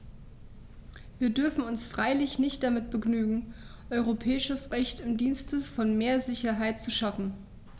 Wir dürfen uns freilich nicht damit begnügen, europäisches Recht im Dienste von mehr Sicherheit zu schaffen.